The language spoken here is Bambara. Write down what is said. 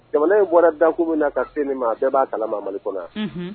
Jamana in bɔra dakun min na ka se nin ma a bɛɛ b'a kala mamamadu kɔnɔ